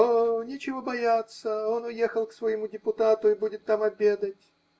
О, нечего бояться, он уехал к своему депутату и будет там обедать.